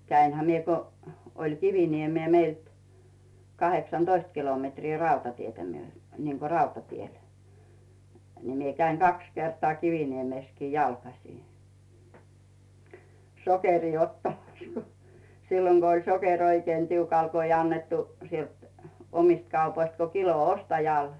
kävinhän minä kun oli Kiviniemeen meiltä kahdeksantoista kilometriä rautatietä - niin kuin rautatiellä niin minä kävin kaksi kertaa Kiviniemessäkin jalkaisin sokeria ottamassa kun silloin kun oli sokeri oikein tiukalla kun ei annettu sieltä omista kaupoista kuin kilo ostajalle